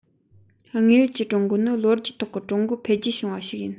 དངོས ཡོད ཀྱི ཀྲུང གོ ནི ལོ རྒྱུས ཐོག གི ཀྲུང གོ འཕེལ རྒྱས བྱུང བ ཞིག ཡིན